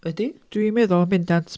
Ydy?... Dwi'n meddwl yn bendant.